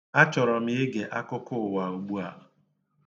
Achọrọ ige akụkọ ụwa ugbu a.